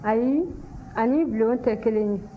ayi a ni bulon tɛ kelen ye